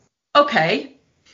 Ok.